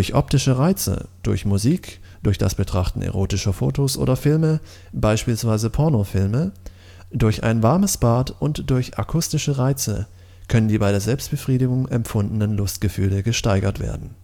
optische Reize, durch Musik, durch das Betrachten erotischer Fotos oder Filme (beispielsweise Pornofilme), durch ein warmes Bad und durch akustische Reize können die bei der Selbstbefriedigung empfundenen Lustgefühle gesteigert werden